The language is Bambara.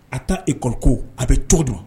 A taa ekɔko a bɛ cogo don